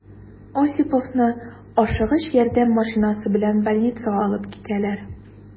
Осиповны «Ашыгыч ярдәм» машинасы белән больницага алып китәләр.